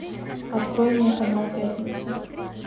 открой мне канал пятница